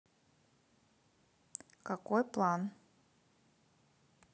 какой план